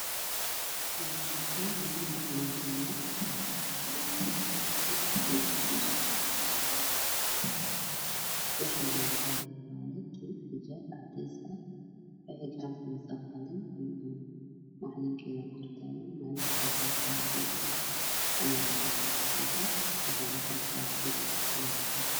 Waa arday io macalinkooda gabdha ugu soo horeyso waxay wadataa cabaayad io xijaab cadeys ah waxy gacanta ku hysaa qalin io buug waxaa kortaagan macalinka oo wata waraaq wuxa wataa shaati baluug ah surwaal cadeys ah